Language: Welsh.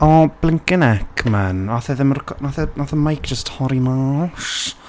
O blinkin 'eck man, wnaeth e ddim rec-... wnaeth e... nath y mike jyst torri mas.